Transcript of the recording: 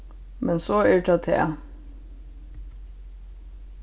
men so er tað tað